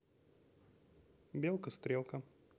белка стрелка